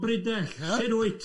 Brydell sud wyt?